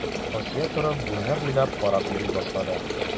Асия торып, бүлмә буйлап карап йөри башлады.